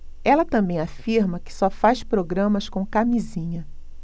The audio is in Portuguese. ela também afirma que só faz programas com camisinha